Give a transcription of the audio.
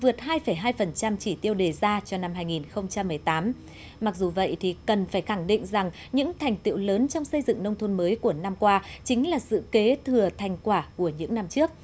vượt hai phẩy hai phần trăm chỉ tiêu đề ra cho năm hai nghìn không trăm mười tám mặc dù vậy thì cần phải khẳng định rằng những thành tựu lớn trong xây dựng nông thôn mới của năm qua chính là sự kế thừa thành quả của những năm trước